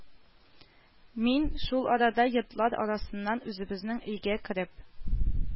Мин шул арада йортлар арасыннан үзебезнең өйгә кереп